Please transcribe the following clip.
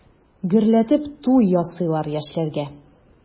Гөрләтеп туй ясыйлар яшьләргә.